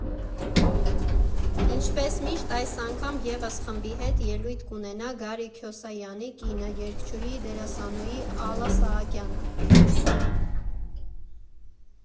Ինչպես միշտ, այս անգամ ևս խմբի հետ ելույթ կունենա Գարի Քյոսայանի կինը՝ երգչուհի, դերասանուհի Ալլա Սահակյանը։